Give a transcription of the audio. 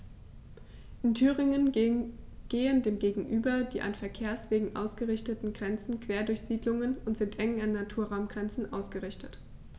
In Thüringen gehen dem gegenüber die an Verkehrswegen ausgerichteten Grenzen quer durch Siedlungen und sind eng an Naturraumgrenzen ausgerichtet.